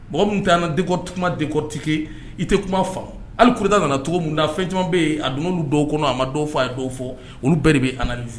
Mɔgɔ minnu t'an ŋa décortiquèrent décortiquer i te kuma faamu hali coup d'Etat nana cogo mun na fɛn caman be ye a donn'olu dɔw kɔnɔ a ma dɔw fɔ a ye dɔ fɔ olu bɛɛ de be analyser